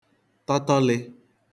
tọtọlị̄